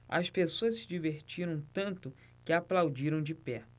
as pessoas se divertiram tanto que aplaudiram de pé